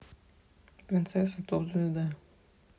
принцесса топ звезда